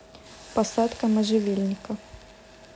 посадка можжевельника